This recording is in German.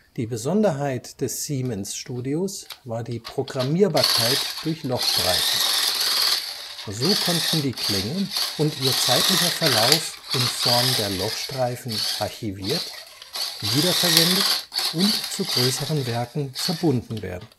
Die Besonderheit des Siemens-Studios war die Programmierbarkeit durch Lochstreifen. So konnten die Klänge und ihr zeitlicher Verlauf in Form der Lochstreifen archiviert, wiederverwendet und zu größeren Werken verbunden werden